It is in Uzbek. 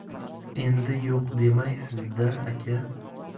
endi yo'q demaysiz da aka